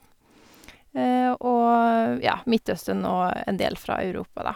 Og, ja, Midtøsten, og en del fra Europa, da.